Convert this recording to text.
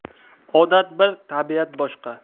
odat bir tabiat boshqa